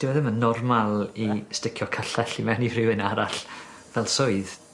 Dyw e ddim yn normal i sticio cyllell i mewn i rhywun arall fel swydd.